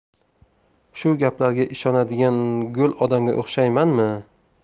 shu gaplarga ishonadigan go'l odamga o'xshaymanmi